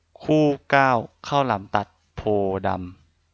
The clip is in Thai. คู่เก้าข้าวหลามตัดโพธิ์ดำ